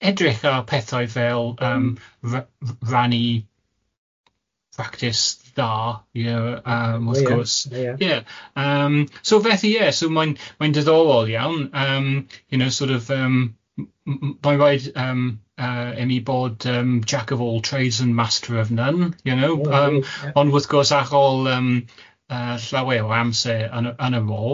edrych ar pethau fel yym r- rannu practis da you know ie yym wrth gwrs ie yym so felly ie so mae'n mae'n diddorol iawn yym you know sort of yym m- m- m- mae'n raid yym yy i mi bod yym Jack of all trades and master of none, you know yym ond wrth gwrs ar ôl yym yy llawer o amser yn y yn y rôl,